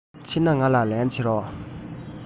ཕྱིན ན ང ལ ལན བྱིན རོགས